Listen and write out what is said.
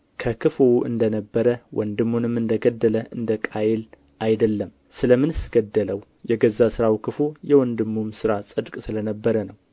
ከክፉው እንደ ነበረ ወንድሙንም እንደ ገደለ እንደ ቃየል አይደለም ስለ ምንስ ገደለው የገዛ ሥራው ክፉ የወንድሙም ሥራ ጽድቅ ስለ ነበረ ነው